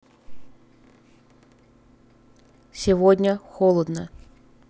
сегодня холодно